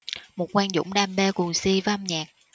một quang dũng đam mê cuồng si với âm nhạc